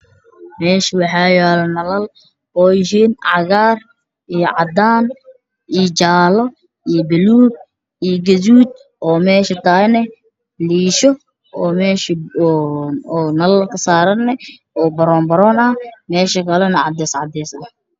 Meeshaan waxaa yaalo nalal oo yihiin cagaar iyo cadaan iyo jaallo iyo baluug iyo gaduud oo meesha tahayne liisho oo meesha nalal ka saarane oo baroon baroon ah meesha kalane cadays cadays ah.